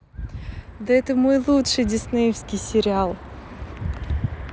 да это мой лучший диснеевский сериал